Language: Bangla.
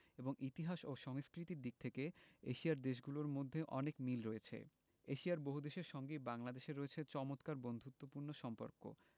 এবং ইতিহাস ও সংস্কৃতির দিক থেকে এশিয়ার দেশগুলোর মধ্যে অনেক মিল রয়েছেএশিয়ার বহুদেশের সঙ্গেই বাংলাদেশের রয়েছে চমৎকার বন্ধুত্বপূর্ণ সম্পর্ক